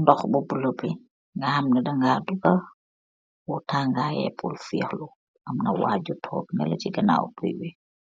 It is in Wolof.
ndox bu bulopbi nga amne dangaar duga bu tangaye por fiixlu am na waajju toog ne le ci ganaaw guy bi